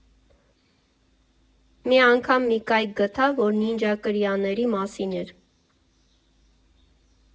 Մի անգամ մի կայք գտա, որ Նինջա կրիաների մասին էր։